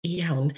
Iawn.